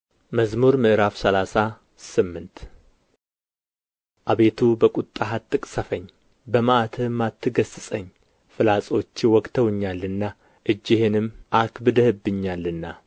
መዝሙር ምዕራፍ ሰላሳ ስምንት አቤቱ በቍጣህ አትቅሠፈኝ በመዓትህም አትገሥጸኝ ፍላጾችህ ወግተውኛልና እጅህንም አክብደህብኛልና